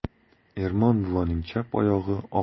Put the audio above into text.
ermon buvaning chap oyog'i